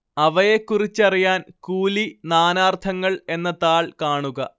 അവയെക്കുറിച്ചറിയാൻ കൂലി നാനാർത്ഥങ്ങൾ എന്ന താൾ കാണുക